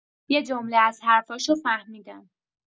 یه جمله از حرفاشو فهمیدم